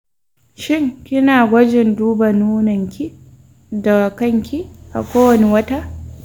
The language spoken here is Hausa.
shin kina gwajin duba nononki da kanki a ko wani wata?